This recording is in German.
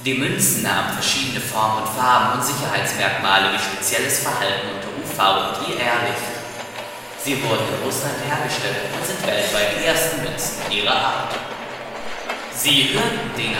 Münzen haben verschiedene Formen und Farben und Sicherheitsmerkmale wie spezielles Verhalten unter UV - und IR-Licht. Sie wurden in Russland hergestellt und sind weltweit die ersten Münzen ihrer Art.